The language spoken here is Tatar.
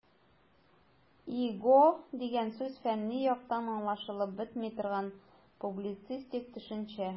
"иго" дигән сүз фәнни яктан аңлашылып бетми торган, публицистик төшенчә.